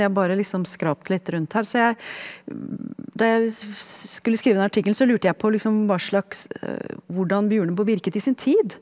jeg har bare liksom skrapt litt rundt her så jeg da jeg skulle skrive den artikkelen så lurte jeg på liksom hva slags hvordan Bjørneboe virket i sin tid.